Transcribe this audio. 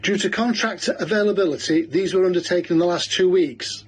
Due to contractor availability, these were undertaken in the last two weeks.